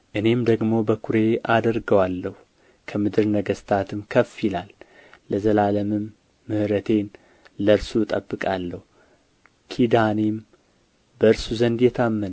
እኔም ደግሞ በኵሬ አደርገዋለሁ ከምድር ነገሥታትም ከፍ ይላል ለዘላለምም ምሕረቴን ለእርሱ እጠብቃለሁ ኪዳኔም በእርሱ ዘንድ የታመነ